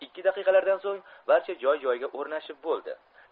ikki daqiqalardan so'ng barcha joy joyiga o'mashib bo'ldi